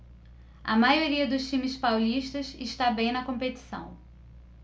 a maioria dos times paulistas está bem na competição